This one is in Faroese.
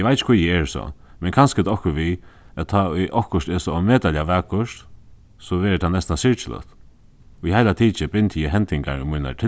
eg veit ikki hví eg eri so men kanska er tað okkurt við at tá ið okkurt er so ómetaliga vakurt so verður tað næstan syrgiligt í heila tikið bindi eg hendingar í mínari